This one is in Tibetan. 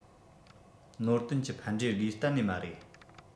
ནོར དོན གྱི ཕན འབྲས དགོས གཏན ནས མ རེད